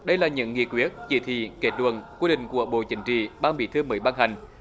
đây là những nghị quyết chỉ thị kết luận quy định của bộ chính trị ban bí thư mới ban hành